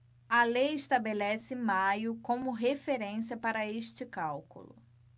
a lei estabelece maio como referência para este cálculo